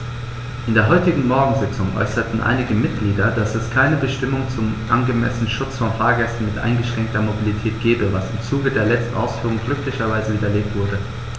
In der heutigen Morgensitzung äußerten einige Mitglieder, dass es keine Bestimmung zum angemessenen Schutz von Fahrgästen mit eingeschränkter Mobilität gebe, was im Zuge der letzten Ausführungen glücklicherweise widerlegt wurde.